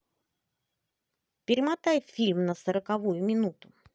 перемотай фильм на сороковую минуту